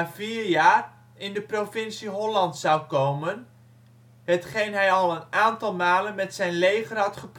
vier jaar in de provincie Holland zou komen, hetgeen hij al een aantal malen met zijn leger had